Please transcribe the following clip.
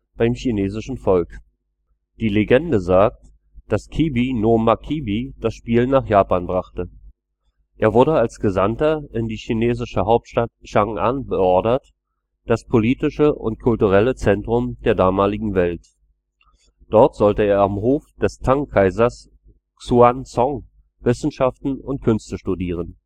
beim chinesischen Volk. Die Legende sagt, dass Kibi no Makibi das Spiel nach Japan brachte. Er wurde als Gesandter in die chinesische Hauptstadt Chang’ an beordert, das politische und kulturelle Zentrum der damaligen Welt. Dort sollte er am Hof des Tang-Kaisers Xuanzong Wissenschaften und Künste studieren